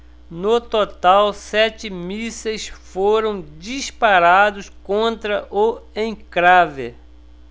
no total sete mísseis foram disparados contra o encrave